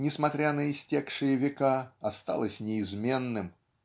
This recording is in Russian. несмотря на истекшие века осталось неизменным.